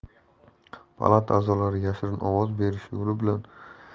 palata a'zolari yashirin ovoz berish yo'li